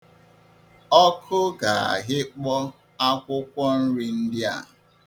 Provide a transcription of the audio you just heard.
Ọkụ ga-ahịkpọ akwụkwọ nri ndị a.